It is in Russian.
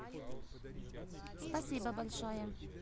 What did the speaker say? спасибо большое